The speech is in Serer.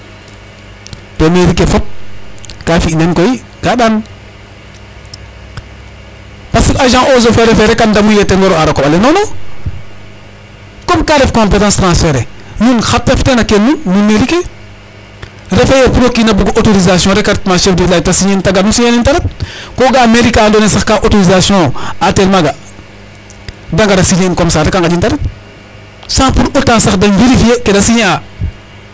Too mairie ke fop ka fi' nen koy gaa ɗaan parce que agent eaux et foret fe rek kaam dam'u yee ten waru aar a koƥ ale non non comme ka ref compétence transférée nuun xar ref teen a keen nuun nun mairie ke. Refee yee pour o kiin a bugg autorisation a ret ma chef de village ta signer in ta gar nu signer in ta ret .Koo ga'aa mairie ka andoona yee sax ka autorisation a atel maaga da ngaraa signer in comme ca rek a ngañin ta ret sans pour autant sax da vérifier ke da signer a.